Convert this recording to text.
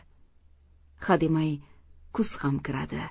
hademay kuz ham kiradi